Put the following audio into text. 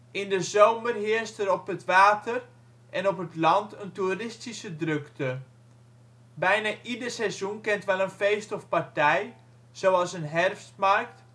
In de zomer heerst er op het water en op het land een toeristische drukte. Bijna ieder seizoen kent wel een feest of partij, zoals een Herfstmarkt, een Kerstmarkt